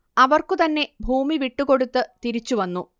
അവർക്കു തന്നെ ഭൂമി വിട്ടുകൊടുത്തു തിരിച്ചു വന്നു